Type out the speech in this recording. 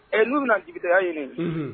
N'u bɛna na dibi deya ɲini